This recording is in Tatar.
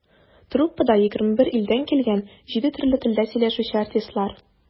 Труппада - 21 илдән килгән, җиде төрле телдә сөйләшүче артистлар.